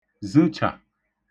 zəchà